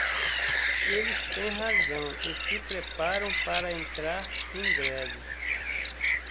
eles têm razão e se preparam para entrar em greve